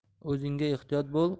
o'zingga ehtiyot bo'l